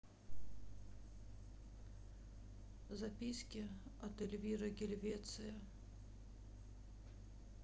записки от эльвира гельвеция